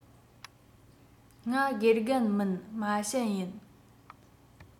ང དགེ རྒན མིན མ བྱན ཡིན